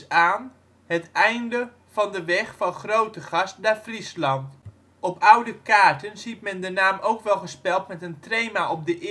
aan) het einde van de weg van Grootegast naar Friesland. Op oude kaarten ziet men de naam ook wel gespeld met een trema op de